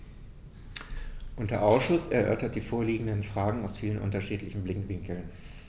Unser Ausschuss erörtert die vorliegenden Fragen aus vielen unterschiedlichen Blickwinkeln.